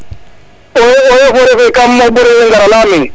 owe owe kam moof bo rewe ngara leyame